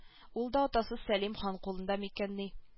Ул да атасы сәлим хан кулында микәнни